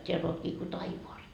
täällä oletkin kuin taivaassa